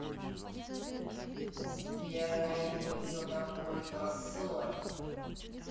сбер найди кто такой косой